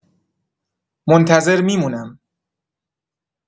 منتظر می‌مونم.